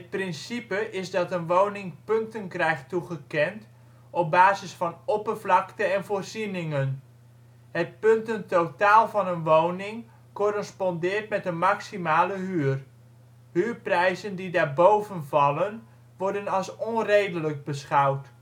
principe is dat een woning punten krijgt toegekend op basis van oppervlakte en voorzieningen. Het puntentotaal van een woning correspondeert met een maximale huur. Huurprijzen die daarboven vallen worden als onredelijk beschouwd